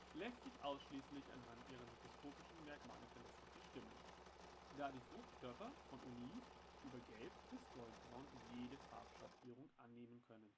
lässt sich ausschließlich anhand ihrer mikroskopischen Merkmale verlässlich bestimmen, da die Fruchtkörper von oliv über gelb bis goldbraun jede Farbschattierung annehmen können